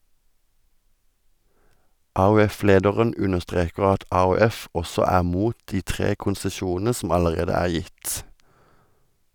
AUF-lederen understreker at AUF også er mot de tre konsesjonene som allerede er gitt.